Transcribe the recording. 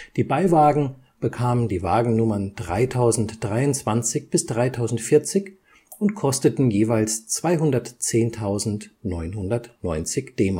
Die Beiwagen bekamen die Wagennummern 3023 bis 3040 und kosteten jeweils 210.990 D-Mark